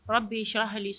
Ura biyic hali